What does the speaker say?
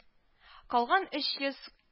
Калган өч йөз